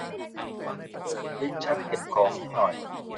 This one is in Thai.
เปิดลิ้นชักเก็บของให้หน่อย